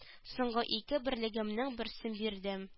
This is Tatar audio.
Соңгы ике берлегемнең берсен бирдем